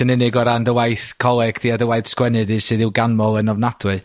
yn unig o ran dy waith coleg di a dy waith coleg di a dy waith sgwennu di sydd i'w ganmol yn ofnadwy,